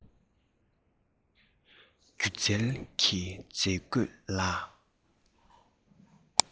སྒྱུ རྩལ གྱི མཛེས བཀོད ལ